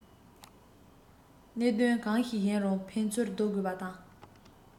གནད དོན གང ཞིག ཡིན རུང ཕན ཚུན སྡུར དགོས པ དང